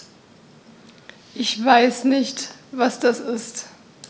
Ich weiß nicht, was das ist.